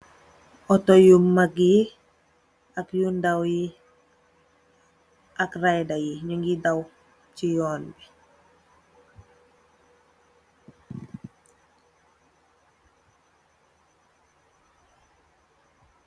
Auto yu mak yi ak yu ndaw yi ak raidayi nju ngeh daw ci yon bi.